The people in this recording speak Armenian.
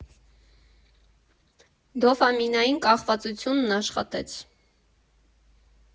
Դոֆամինային կախվածությունն աշխատեց։